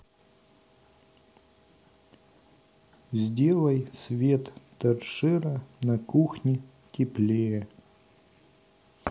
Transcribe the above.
сделай свет торшера на кухне теплее